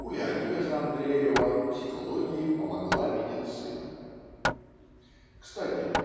У Леонида же Андреева психологии помогла медицина. Кстати